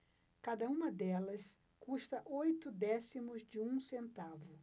cada uma delas custa oito décimos de um centavo